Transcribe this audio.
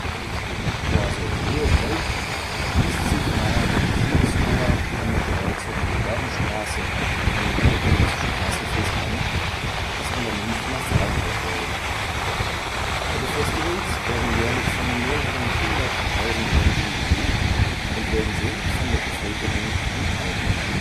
Mit dem Corso Leopold schließt sich nahe dem Siegestor an der Kreuzung Georgenstraße ein weiteres Straßenfest an, das an der Münchner Freiheit endet. Beide Festivals werden jährlich von mehreren hunderttausend Menschen besucht und werden somit von der Bevölkerung gut angenommen